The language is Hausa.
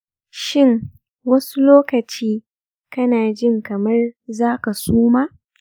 shin wasu lokaci kana jin kamar za ka suma?